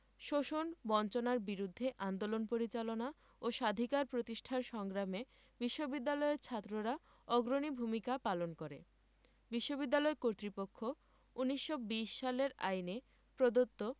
শোষণ বঞ্চনার বিরুদ্ধে আন্দোলন পরিচালনা ও স্বাধিকার প্রতিষ্ঠার সংগ্রামে বিশ্ববিদ্যালয়ে ছাত্ররা অগ্রণী ভূমিকা পালন করে বিশ্ববিদ্যালয় কর্তৃপক্ষ ১৯২০ সালের আইনে প্রদত্ত